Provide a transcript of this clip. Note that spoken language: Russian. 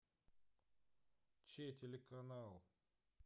че телеканал